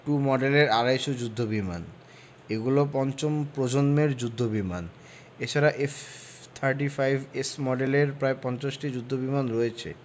two মডেলের আড়াই শ যুদ্ধবিমান এগুলো পঞ্চম প্রজন্মের যুদ্ধবিমান এ ছাড়া এফ থার্টি ফাইভ এস মডেলের প্রায় ৫০টি যুদ্ধবিমান রয়েছে